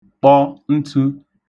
kpọ ntu